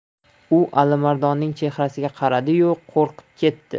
u alimardonning chehrasiga qaradi yu qo'rqib ketdi